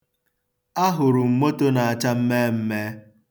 Ahụrụ m moto na-acha mmeemmee.